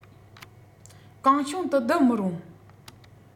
གང བྱུང དུ བསྡུ མི རུང